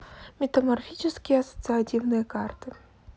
метафорические ассоциативные карты